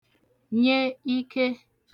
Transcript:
nye ike